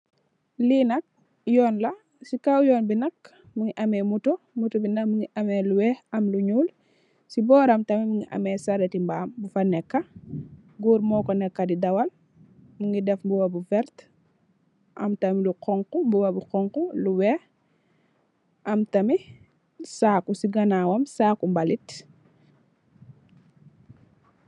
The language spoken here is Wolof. Lii nak yoon la, si kaw yoon bi nak mingi ame moto, moto bi nak mingi ame lu weex, lu nyuul, si booram tamit mingi am sereeti mbam bu fa neka, goor moko nekk di dawal, mingi def mbubu bu verte, am tamit lu xonxu, mbubu bu xonxu, lu weex, am tamit saku si ganaawam, saku balit.